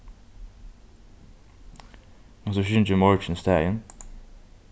kanst tú ikki ringja í morgin í staðin